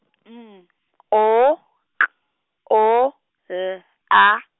M O K O L A.